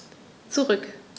Zurück.